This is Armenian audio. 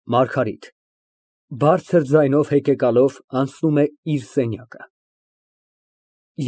ՄԱՐԳԱՐԻՏ ֊ (Բարձր ձայնով հեկեկալով, անցնում է իր սենյակը)։